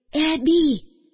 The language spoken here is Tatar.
Әби